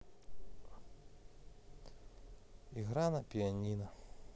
игра на пианино